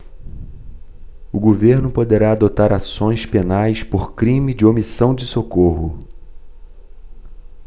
o governo poderá adotar ações penais por crime de omissão de socorro